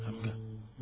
xam nga